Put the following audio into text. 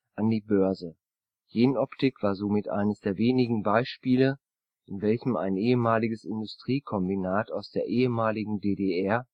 an die Börse. Jenoptik war somit eines der wenigen Beispiele in welchem ein ehemaliges Industriekombinat aus der ehemaligen DDR